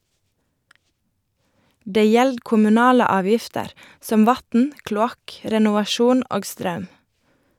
Det gjeld kommunale avgifter som vatn, kloakk, renovasjon og straum.